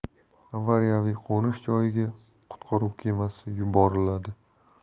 avariyaviy qo'nish joyiga qutqaruv kemasi yuboriladi